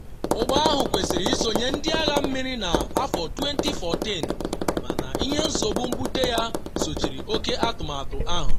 Ụgbọ ahụ kwesịrị isonye Ndị Agha Mmiri na 2014, mana ihe nsogbu mbute ya sochiri oke atụmatụ ahụ.